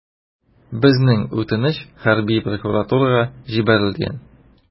Безнең үтенеч хәрби прокуратурага җибәрелгән.